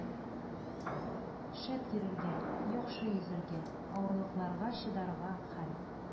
Шәп йөрергә, яхшы йөзәргә, авырлыкларга чыдарга һәм